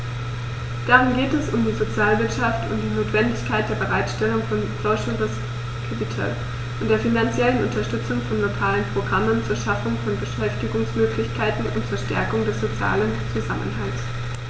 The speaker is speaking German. Darin geht es um die Sozialwirtschaft und die Notwendigkeit der Bereitstellung von "social risk capital" und der finanziellen Unterstützung von lokalen Programmen zur Schaffung von Beschäftigungsmöglichkeiten und zur Stärkung des sozialen Zusammenhalts.